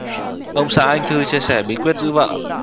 ông xã anh thư chia sẻ bí quyết giữ vợ